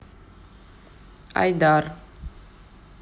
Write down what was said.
айдар